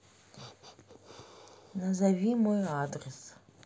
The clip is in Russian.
назови мой адрес